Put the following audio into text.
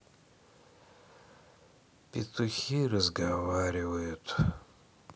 петухи разговаривают